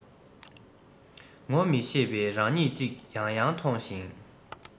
ངོ མི ཤེས པའི རང ཉིད ཅིག ཡང ཡང མཐོང ཡང